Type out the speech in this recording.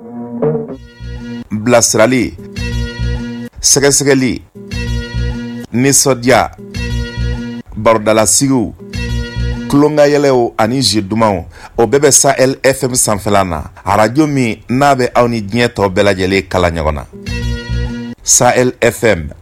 Bilasiralen sɛgɛsɛgɛli nisɔndiya barodalasigi kolonkanyw ani zi dumanumaw o bɛɛ bɛ sa e fɛ sanfɛ na arajo min n' a bɛ aw ni diɲɛ tɔw bɛɛ lajɛlen kala ɲɔgɔn na san e fɛ mɛn